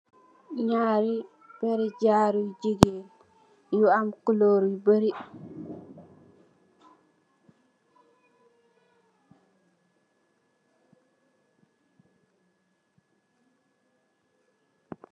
Nyarri perri jaro jigeen yu am couleur yu bari.